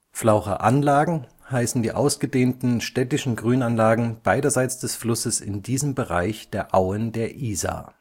Flaucheranlagen heißen die ausgedehnten städtischen Grünanlagen beiderseits des Flusses in diesem Bereich der Auen der Isar